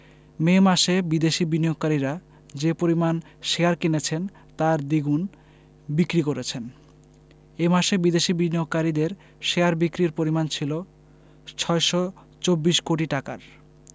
মে মাসে বিদেশি বিনিয়োগকারীরা যে পরিমাণ শেয়ার কিনেছেন তার দ্বিগুণ বিক্রি করেছেন এ মাসে বিদেশি বিনিয়োগকারীদের শেয়ার বিক্রির পরিমাণ ছিল ৬২৪ কোটি টাকার